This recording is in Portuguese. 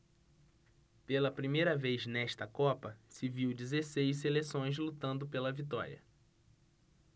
pela primeira vez nesta copa se viu dezesseis seleções lutando pela vitória